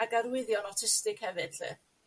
ag arwyddion awtistig hefyd lly.